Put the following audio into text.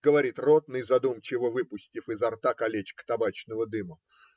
говорит ротный, задумчиво выпустив изо рта колечко табачного дыма.